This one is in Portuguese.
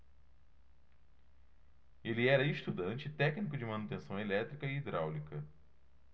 ele era estudante e técnico de manutenção elétrica e hidráulica